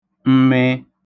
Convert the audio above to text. mmịị